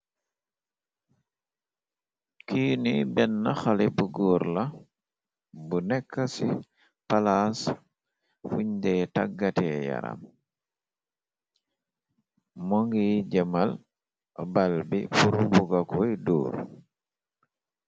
Ki nee benna xale bu góor la bu nekka ci palaas fundee tàggate yaram mongi jëmal baal bi purr buga koy door.